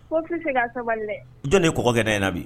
Ko tɛ se ka sabali dɛ dɔnɔgɔ gɛrɛ ɲɛna na bi